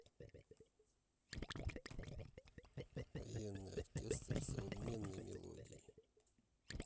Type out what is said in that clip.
военный оркестр современные мелодии